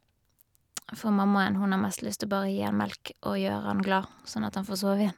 For mammaen, hun har mest lyst å bare gi han melk og gjøre han glad, sånn at han får sove igjen.